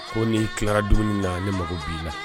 Ko ni tila la dumuni na ne mako b'i la.